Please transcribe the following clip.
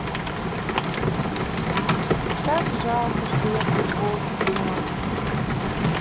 так жалко что я футболку снял